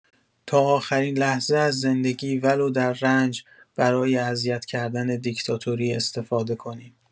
تا آخرین لحظه از زندگی ولو در رنج برای اذیت کردن دیکتاتوری استفاده کنیم.